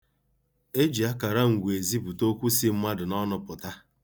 E ji akarangwu ezipụta okwu si mmadụ n'ọnụ pụta.